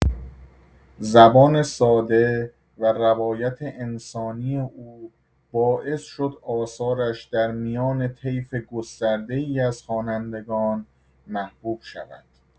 زبان ساده و روایت انسانی او باعث شد آثارش در میان طیف گسترده‌ای از خوانندگان محبوب شود.